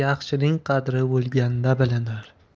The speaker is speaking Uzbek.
yaxshining qadri o'lganda bilinar